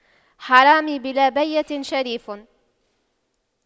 حرامي بلا بَيِّنةٍ شريف